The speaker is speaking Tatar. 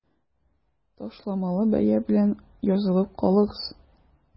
Ташламалы бәя белән язылып калыгыз!